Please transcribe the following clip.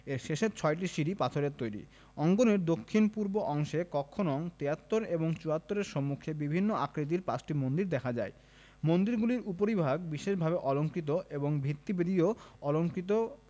এর শেষের ছয়টি সিঁড়ি পাথরের তৈরি অঙ্গনের দক্ষিণ পূর্ব অংশে কক্ষ নং ৭৩ এবং ৭৪ এর সম্মুখে বিভিন্ন আকৃতির ৫টি মন্দির দেখা যায় মন্দিরগুলির উপরিভাগ বিশেষভাবে অলংকৃত এবং ভিত্তিবেদিতেও অলঙ্কৃত